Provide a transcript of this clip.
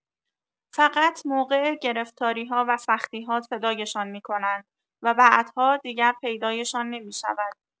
فقط موقع گرفتاری‌ها و سختی‌ها صدایشان می‌کنند و بعدها دیگر پیدایشان نمی‌شود!